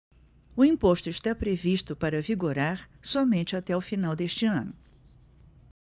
o imposto está previsto para vigorar somente até o final deste ano